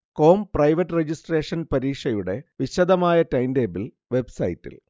com private registration പരീക്ഷയുടെ വിശദമായ timetable web സൈറ്റിൽ